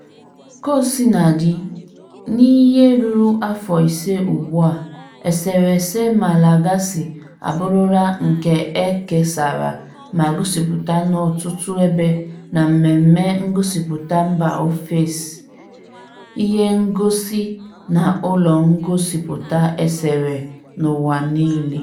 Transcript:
Kaosinadị, n'ihe ruru afọ ise ugbua, eserese Malagasy abụrụla nke e kesara ma gosịpụta n'ọtụtụ ebe na mmemme ngosịpụta mba ofesi, ihengosi, na ụlọ ngosịpụta eserese n'ụwa niile.